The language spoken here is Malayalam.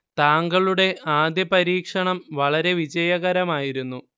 താങ്കളുടെ ആദ്യ പരീക്ഷണം വളരെ വിജയകരമായിരുന്നു